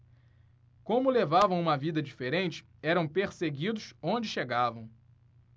como levavam uma vida diferente eram perseguidos onde chegavam